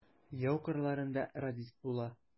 Яу кырларында радист була.